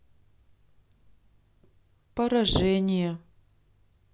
поражение